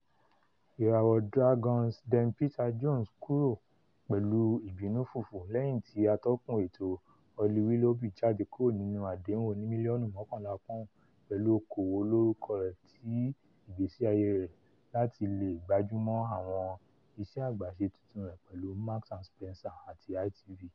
Ìràwọ̀ Dragons Den Peter Jones kúrò pẹ̀lú 'ìbínú fùfù' lẹ́yìn tí atọ́kùn ètò Holly Willoughby jáde kúrò nínú àdéhùn oní-mílíọ̀nù mọ́kànlà pọ́ùn pẹ̀lú oko-òwò olorúkọ rẹ̀ ti ìgbésí-ayé rẹ̀ láti leè gbájúmọ́ àwọn iṣẹ́ àgbàṣe tuntun rẹ̀ pẹ̀lú Marks and Spencer àti ITV